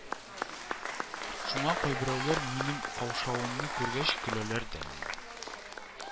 Шуңа кайберәүләр минем каушавымны күргәч көләләр дә инде